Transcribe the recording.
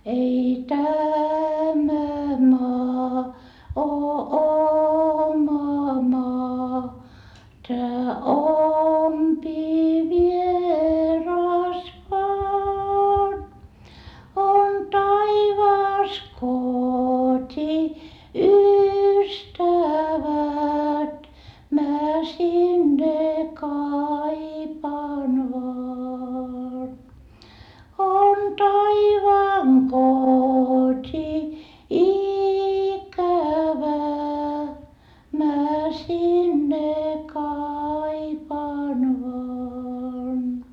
ei tämä maa ole oma maa tämä ompi vieras vain on taivaassa koti ystävät minä sinne kaipaan vain on taivaan koti-ikävä minä sinne kaipaan vain